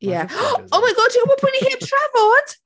Ie , oh my God! Ti'n gwbod pwy ni heb trafod?